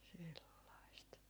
sellaista